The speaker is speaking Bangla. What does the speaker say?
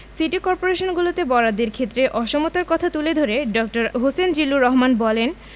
সিটি করপোরেশনগুলোতে বরাদ্দের ক্ষেত্রে অসমতার কথা তুলে ধরে ড. হোসেন জিল্লুর রহমান বলেন